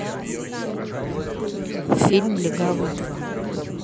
фильм легавый два